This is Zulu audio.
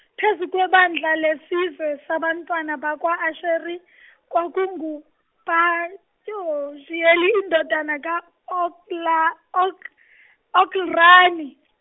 phezu kwebandla lesizwe sabantwana bakwa Asheri kwakungu Pa- yo- Ziyeli indodana ka Okla- Ok- Okrani.